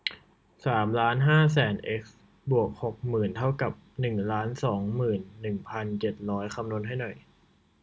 สามล้านห้าแสนเอ็กซ์บวกหกหมื่นเท่ากับหนึ่งล้านสองหมื่นหนึ่งพันเจ็ดร้อยคำนวณให้หน่อย